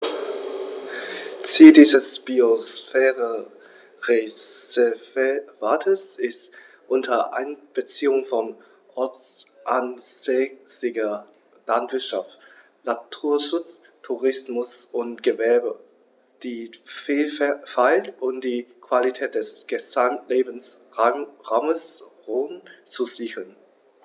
Ziel dieses Biosphärenreservates ist, unter Einbeziehung von ortsansässiger Landwirtschaft, Naturschutz, Tourismus und Gewerbe die Vielfalt und die Qualität des Gesamtlebensraumes Rhön zu sichern.